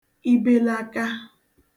ibelaka